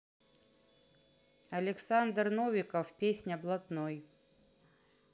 александр новиков песня блатной